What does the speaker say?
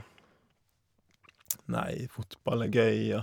Nei, fotball er gøy, og...